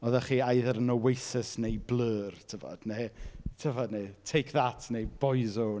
Oeddech chi either yn Oasis neu Blur tibod neu tibod... neu Take That neu Boyzone.